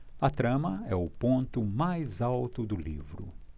a trama é o ponto mais alto do livro